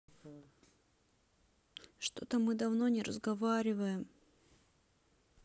что то мы давно не разговариваем